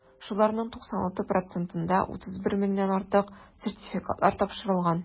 Шуларның 96 процентына (31 меңнән артык) сертификатлар тапшырылган.